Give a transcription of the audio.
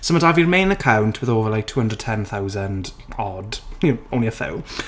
So ma' 'da fi'r main account with over like two hundred ten thousand odd. Only a few.